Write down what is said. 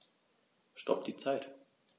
Stopp die Zeit